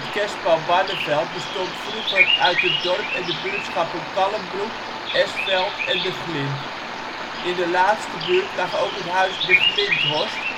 kerspel Barneveld bestond vroeger uit het dorp en de buurtschappen Kallenbroek, Esveld en De Glind. In de laatste buurt lag ook het huis De Glinthorst